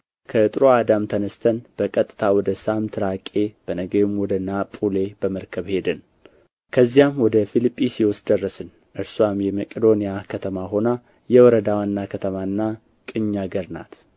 ከጢሮአዳም ተነሥተን በቀጥታ ወደ ሳሞትራቄ በነገውም ወደ ናጱሌ በመርከብ ሄድን ከዚያም ወደ ፊልጵስዩስ ደረስን እርስዋም የመቄዶንያ ከተማ ሆና የወረዳ ዋና ከተማና ቅኝ አገር ናት